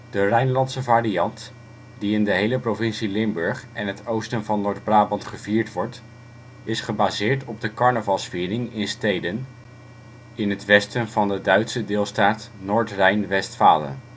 De Rijnlandse variant, die in de hele provincie Limburg en het Oosten van Noord-Brabant gevierd wordt, is gebaseerd op de carnavalsviering in steden in het westen van de Duitse deelstaat Noordrijn-Westfalen